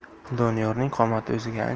doniyorning qomati o'ziga